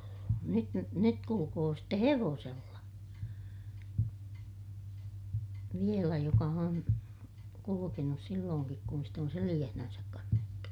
nyt - nyt kulkee sitten hevosella vielä joka on kulkenut silloinkin kun sitten on selässään kannettu